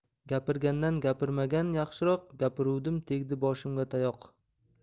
gapirgandan gapirmagan yaxshiroq gapiruvdim tegdi boshimga tayoq